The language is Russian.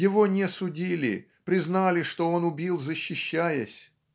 Его не судили: признали, что он убил защищаясь.